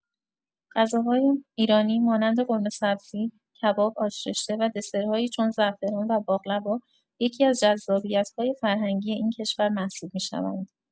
غذاهای ایرانی مانند قورمه‌سبزی، کباب، آش‌رشته و دسرهایی چون زعفران و باقلوا، یکی‌از جذابیت‌های فرهنگی این کشور محسوب می‌شوند.